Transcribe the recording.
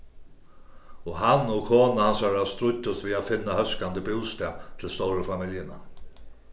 og hann og kona hansara stríddust við at finna hóskandi bústað til stóru familjuna